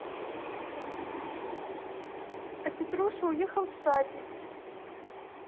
а петруша уехал в садик